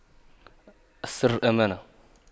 السر أمانة